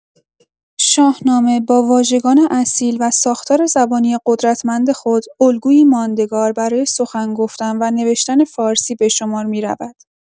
شاهنامه با واژگان اصیل و ساختار زبانی قدرتمند خود، الگویی ماندگار برای سخن گفتن و نوشتن فارسی به شمار می‌رود.